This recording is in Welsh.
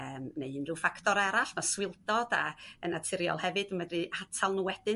yym neu unrhyw ffactor arall ma' swildod a yn naturiol hefyd medru hatal n'w wedyn